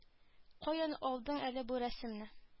Каян алдың әле бу рәсемне